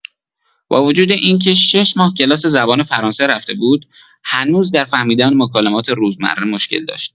با وجود اینکه شش ماه کلاس زبان فرانسه رفته بود، هنوز در فهمیدن مکالمات روزمره مشکل داشت.